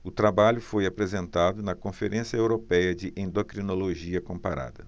o trabalho foi apresentado na conferência européia de endocrinologia comparada